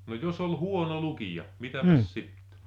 no jos oli huono lukija mitäpä sitten